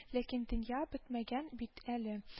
Ләкин дөнья бетмәгән бит әле